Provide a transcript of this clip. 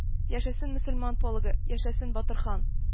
- яшәсен мөселман полыгы, яшәсен батырхан! -